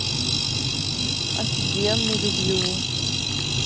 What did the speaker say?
офигенный люблю